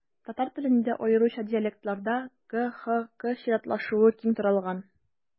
Татар телендә, аеруча диалектларда, г-х-к чиратлашуы киң таралган.